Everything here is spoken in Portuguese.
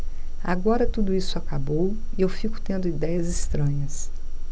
agora tudo isso acabou e eu fico tendo idéias estranhas